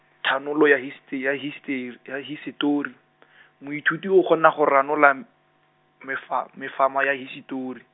tlhanolo ya histe- ya hister-, ya hisetori , moithuti o kgona go ranola n-, mefa- mefama ya hisetori.